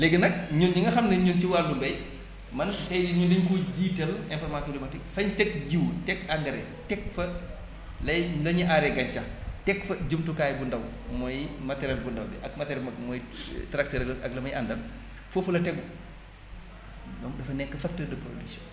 léegi nag ñun ñi nga xam ni ñun ci wàllu bay man tay ñun dañ ko jiital informa climatique fañ teg jiwu teg engrais teg fa lay la ñuy aaree gàncax teg fa jumtukaay bu ndaw mooy matériel bu ndaw bi ak matériel bu mag bi mooy tracteur ak la muy àndal foofu la tegu donc dafa nekk facteur de production